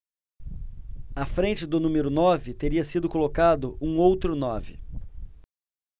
à frente do número nove teria sido colocado um outro nove